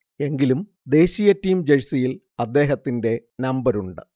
എങ്കിലും, ദേശീയ ടീം ജഴ്സിയിൽ അദ്ദേഹത്തിന്റെ നമ്പരുണ്ട്